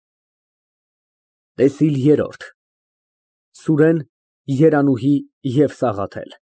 ՏԵՍԻԼ ԵՐՐՈՐԴ ՍՈՒՐԵՆ, ԵՐԱՆՈՒՀԻ ԵՎ ՍԱՂԱԹԵԼ։